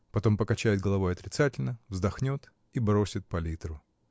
Потом покачает головой отрицательно, вздохнет и бросит палитру.